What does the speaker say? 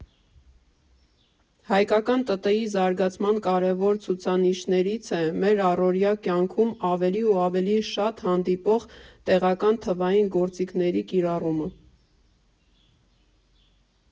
Հայկական ՏՏ֊ի զարգացման կարևոր ցուցանիշներից է մեր առօրյա կյանքում ավելի ու ավելի շատ հանդիպող տեղական թվային գործիքների կիրառումը։